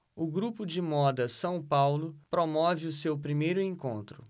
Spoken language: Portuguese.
o grupo de moda são paulo promove o seu primeiro encontro